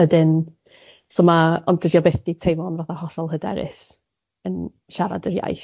...wedyn so ma' ond dydi o byth di teimlo'n fatha hollol hyderus yn siarad yr iaith.